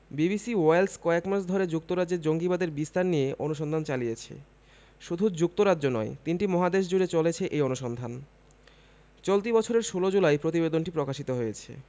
BBC Wales কয়েক মাস ধরে যুক্তরাজ্যে জঙ্গিবাদের বিস্তার নিয়ে অনুসন্ধান চালিয়েছে শুধু যুক্তরাজ্য নয় তিনটি মহাদেশজুড়ে চলেছে এই অনুসন্ধান চলতি বছরের ১৬ জুলাই প্রতিবেদনটি প্রকাশিত হয়েছে